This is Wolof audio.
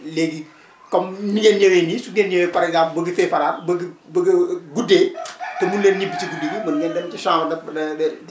léegi comme ni ngeen ñëwee nii su ngeen ñëwee par exemple bëgg fee fanaan bëgg bëgg a guddee te mënu leen ñibbi ci guddi gi mën ngeen dem ci chambre de de